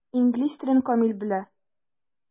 Инглиз телен камил белә.